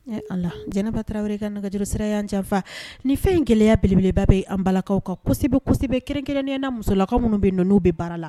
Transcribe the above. Ee ala la jɛnɛba tarawele wɛrɛ ka nɛgɛj sira yan janfa ni fɛn in gɛlɛyaya belebeleba bɛ' an balakaw kabebe kelen- kelen-nen na musolakaw minnu bɛ n bɛ baara la